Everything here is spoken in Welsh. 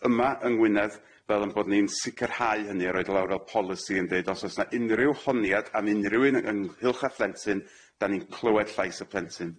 yma yng Ngwynedd fel yn bod ni'n sicirhau hynny a roid o lawr fel polisi yn deud os o's na unryw honiad am unryw un yng nghylch a phlentyn, dan ni'n clywed llais y plentyn.